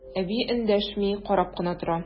Әби эндәшми, карап кына тора.